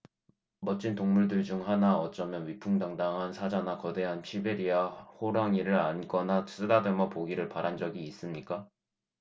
멋진 동물들 중 하나 어쩌면 위풍당당한 사자나 거대한 시베리아호랑이를 안거나 쓰다듬어 보기를 바란 적이 있습니까